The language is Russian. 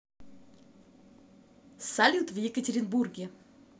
салют в екатеринбурге